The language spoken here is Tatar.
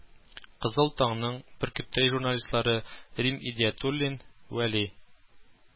Кызыл таңның бөркеттәй журналистлары Рим Идиятуллин, Вәли